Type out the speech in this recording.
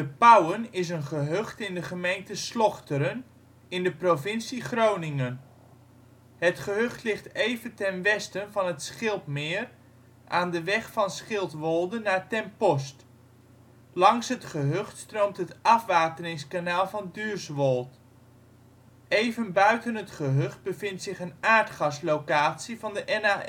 Paauwen is een gehucht in de gemeente Slochteren in de provincie Groningen. Het gehucht ligt even ten westen van het Schildmeer aan de weg van Schildwolde naar Ten Post. Langs het gehucht stroomt het afwateringskanaal van Duurswold. Even buiten het gehucht bevindt zich een aardgaslocatie van de NAM